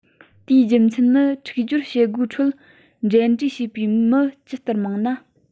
དེའི རྒྱུ མཚན ནི འཁྲིག སྦྱོར བྱེད སྒོའི ཁྲོད འབྲེལ འདྲིས བྱས པའི མི ཇི ལྟར མང ན